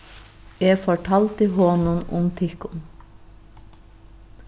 eg fortaldi honum um tykkum